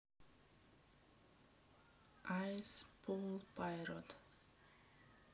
айс пул пайрот